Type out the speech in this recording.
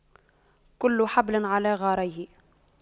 كل حبل على غاربه